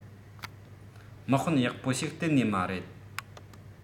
དམག དཔོན ཡག པོ ཞིག གཏན ནས མ རེད